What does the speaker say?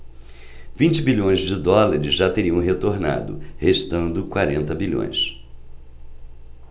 vinte bilhões de dólares já teriam retornado restando quarenta bilhões